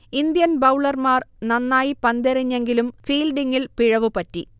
Indian ബൗളർമാർ നന്നായി പന്തെറിഞ്ഞെങ്കിലും ഫീൽഡിങ്ങിൽ പിഴവു പറ്റി